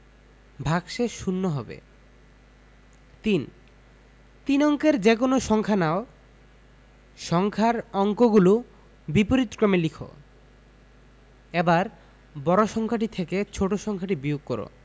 ভাগশেষ শূন্য হবে ৩ তিন অঙ্কের যেকোনো সংখ্যা নাও সংখ্যার অঙ্কগুলোকে বিপরীতক্রমে লিখ এবার বড় সংখ্যাটি থেকে ছোট সংখ্যাটি বিয়োগ কর